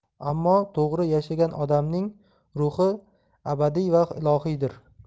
ammo to'g'ri yashagan odamning ruhi abadiy va ilohiydir